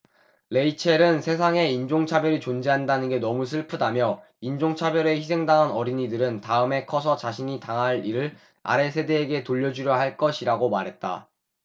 레이첼은 세상에 인종차별이 존재한다는 게 너무 슬프다며 인종차별에 희생당한 어린이들은 다음에 커서 자신이 당한 일을 아래 세대에게 돌려주려 할 것이라고 말했다